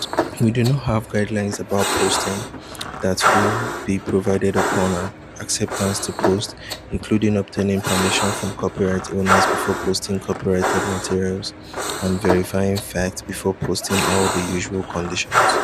We do have guidelines about posting that will be provided upon acceptance to post, including obtaining permission from copyright owners before posting copyrighted materials, and verifying facts before posting–all the usual conditions.